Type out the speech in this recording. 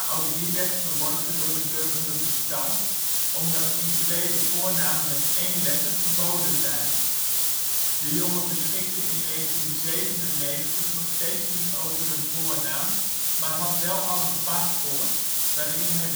ook die werd verworpen door de burgerlijke stand, omdat in Zweden voornamen met één letter verboden zijn. De jongen beschikte in 1997 nog steeds niet over een voornaam, maar had wel al een paspoort waarin hij